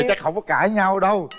không có cãi nhau đâu